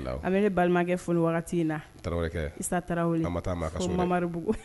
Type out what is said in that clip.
Ne balimakɛ fooni in